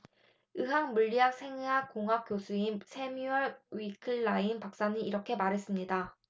의학 물리학 생의학 공학 교수인 새뮤얼 위클라인 박사는 이렇게 말했습니다